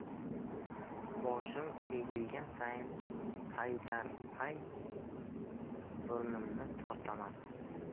boshim egilgan sayin paydarpay burnimni tortaman